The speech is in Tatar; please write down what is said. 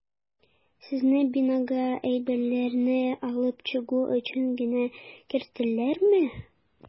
Сезне бинага әйберләрне алып чыгу өчен генә керттеләрме?